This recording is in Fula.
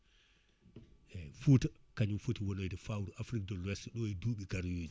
eyyi Fouta kañum foti wonoyde fawru Afrique de l' Ouest ɗo e duuɓi garoyoji